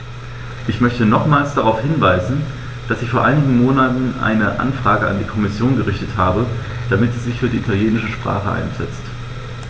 Ich möchte nochmals darauf hinweisen, dass ich vor einigen Monaten eine Anfrage an die Kommission gerichtet habe, damit sie sich für die italienische Sprache einsetzt.